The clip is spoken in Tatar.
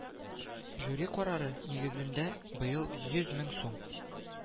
Жюри карары нигезендә быел йөз мең сум